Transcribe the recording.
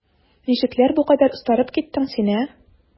Ничекләр бу кадәр остарып киттең син, ә?